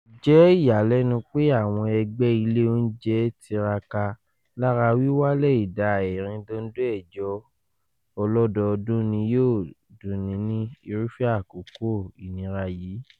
Kojẹ iyanilẹnu pe awọn ẹgbẹ ile ounjẹ n tiraka, lara wiwale ida 4.8 ọlọdọọdun ni yoo dunni ni irufẹ akoko inira yii.